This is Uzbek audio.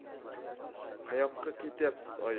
qayoqqa ketyapmiz oyi